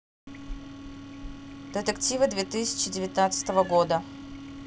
детективы две тысячи девятнадцатого года